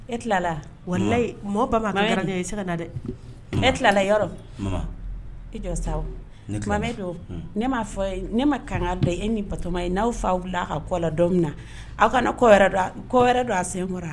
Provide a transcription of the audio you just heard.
E tilala walilayi mɔgɔ bamakɔ se ka na dɛ e tilala yɔrɔ e jɔ sa'a fɔ ma kanga la e ni batoma ye n'aw fa la ka kɔ la don min na aw kana kɔ kɔ wɛrɛ don a sen kɔrɔ